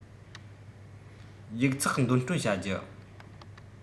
ཡིག ཚགས འདོན སྤྲོད བྱ རྒྱུ